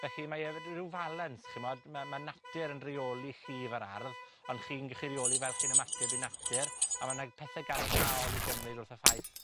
Felly, mae e r- ryw falens ch'mod, ma' ma' natur yn reoli chi efo'r ardd, ond chi'n gachu reoli fel chi'n ymateb i natur, a ma' 'na pethe gadarnhaol i gymryd wrth y ffaith